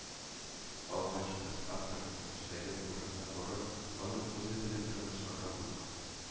Алгач, без авторның эшләгән урынына барып, аның үзе белән танышырга булдык